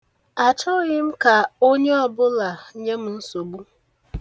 Achọghị ka onye ọbụla nye m nsogbu.